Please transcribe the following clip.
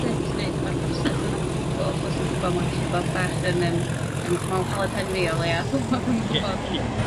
top tips i neud efo'r broses yna o gwbwl 'sos di'n gwbo ma'n gallu bod bach yn yym yym ma' o'n chwalu pen fi o leia so fel dwi'm yn gwbod w-... Ie ie.